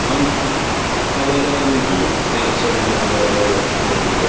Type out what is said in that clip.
Ond, odd yr yym... Mm. ...Ia, so odd- oedd- oedd hynna 'di digwydd,